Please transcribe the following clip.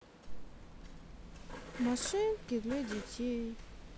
машинки для детей